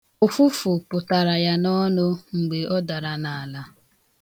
Ụfụfụ pụtara ya n'ọnụ mgbe ọ dara n'ala.